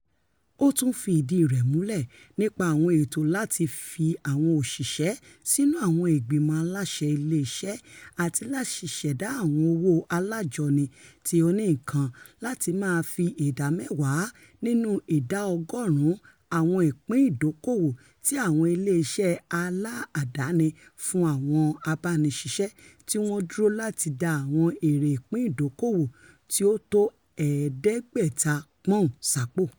Ó tún fi ìdí rẹ̀ múlẹ̀ nípa àwọn ètò láti fi àwọn òṣìṣẹ́ sínú àwọn ìgbìmọ aláṣẹ ilé iṣẹ̵́ àti láti ṣẹ̀dá Àwọn Owó Alájọni ti Oníǹkan lati máa fi ìdá mẹ́wàá nínú ìdá ọgọ́ọ̀rún àwọn ìpìn ìdóòkòwò ti àwọn ilé iṣẹ́ aláàdáni fún àwọn abániṣiṣẹ́, ti wọn duro láti da àwọn èrè ìpìn ìdóòkòwò tí ó tó ẹ̀ẹ́dẹ́gbẹ̀ta pọ́ùn sápo.